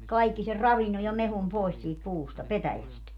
kaikki sen ravinnon ja mehun pois siitä puusta petäjästä